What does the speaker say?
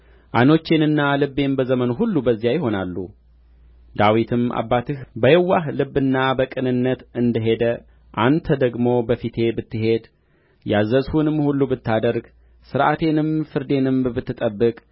ዓይኖቼና ልቤም በዘመኑ ሁሉ በዚያ ይሆናሉ ዳዊትም አባትህ በየዋህ ልብና በቅንነት እንደ ሄደ አንተ ደግሞ በፊቴ ብትሄድ ያዘዝሁህንም ሁሉ ብታደርግ ሥርዓቴንም ፍርዴንም ብትጠብቅ